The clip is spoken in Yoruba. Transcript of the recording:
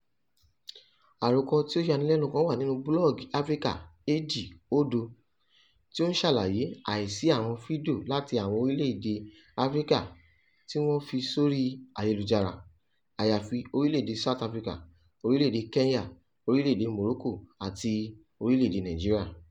Àròkọ tí ó yanilẹ́nu kan wà nínú búlọ́ọ́gì Africa 2.0 tí o ń ṣàlàyé àìsí àwọn fídíò láti àwọn orílẹ̀-èdè Africa tí wọ́n fi sórí ayélujára (àyàfi Orílẹ̀-èdè South Africa, Orílẹ̀-èdè Kenya, Orílẹ̀-èdè Morocco àti Orílẹ̀-èdè Nigeria).